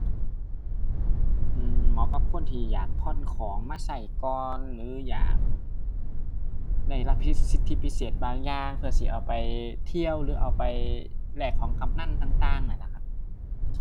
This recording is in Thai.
อือ เหมาะกับคนที่อยากผ่อนของมาใช้ก่อน หรืออยากได้รับพิด สิทธิพิเศษบางอย่าง เพื่อสิเอาไปเที่ยว หรือเอาไปแลกของกำนันต่างต่างนั่นล่ะครับ